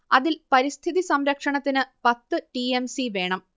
അതിൽ പരിസ്ഥിതിസംരക്ഷണത്തിന് പത്ത് ടി എം സി വേണം